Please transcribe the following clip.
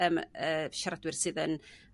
yym y siaradwyr sydd yn